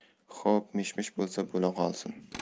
xo'p mish mish bo'lsa bo'la qolsin